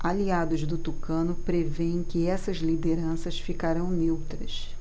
aliados do tucano prevêem que essas lideranças ficarão neutras